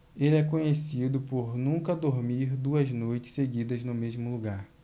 ele é conhecido por nunca dormir duas noites seguidas no mesmo lugar